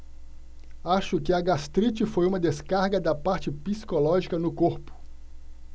acho que a gastrite foi uma descarga da parte psicológica no corpo